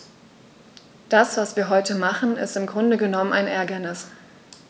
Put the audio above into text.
Das, was wir heute machen, ist im Grunde genommen ein Ärgernis.